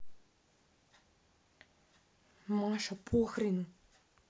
маша похрену